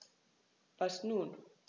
Was nun?